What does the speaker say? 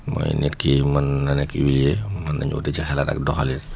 mooy nit kii mën na nekk huilier mën nañoo wuute ci xalaat ak doxlain